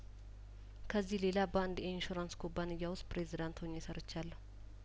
ከዚህ ሌላ በአንድ ኢንሹራንስ ኩባንያውስጥ ፕሬዚዳንት ሆኜ ሰርቻለሁ